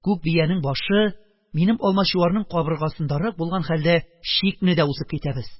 Күк биянең башы минем Алмачуарның кабыргасындарак булган хәлдә чикне дә узып китәбез!